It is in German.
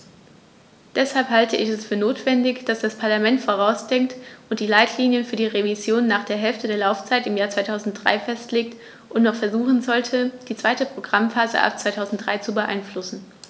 Deshalb halte ich es für notwendig, dass das Parlament vorausdenkt und die Leitlinien für die Revision nach der Hälfte der Laufzeit im Jahr 2003 festlegt und noch versuchen sollte, die zweite Programmphase ab 2003 zu beeinflussen.